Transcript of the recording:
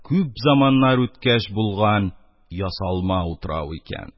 Күп заманнар үткәч булган «ясалма утрау» икән.